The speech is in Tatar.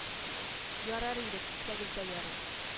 Ярар инде китсәгез дә ярый